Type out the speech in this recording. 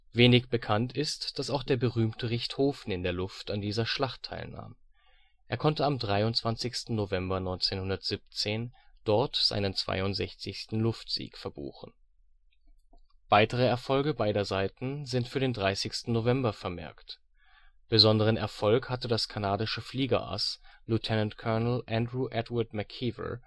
Wenig bekannt ist, dass auch der berühmte Richthofen in der Luft an dieser Schlacht teilnahm. Er konnte am 23. November 1917 dort seinen 62. Luftsieg verbuchen. Weitere Erfolge beider Seiten sind für den 30. November vermerkt. Besonderen Erfolg hatte das kanadische Fliegerass Lieutenant Colonel Andrew Edward McKeever